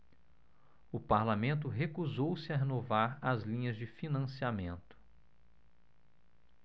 o parlamento recusou-se a renovar as linhas de financiamento